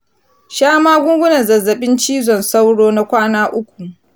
sha magungunan zazzabin cizon sauro na kwana uku.